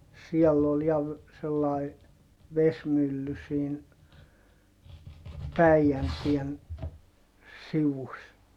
siellä oli ja - sellainen vesimylly siinä Päijänteen sivussa